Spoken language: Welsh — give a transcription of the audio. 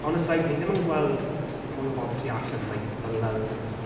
Ond it’s like, ni ddim yn gweld mwy o bobl tu allan yn like the love...